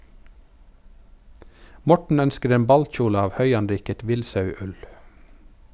Morten ønsker en ballkjole av høyanriket villsauull.